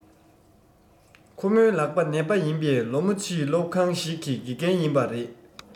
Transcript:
ཁོ མོའི ལག པ ནད པ ཡིན པས ཁོ མོ བྱིས སྐྱོང ཁང ཞིག གི དགེ རྒན ཡིན པ རེད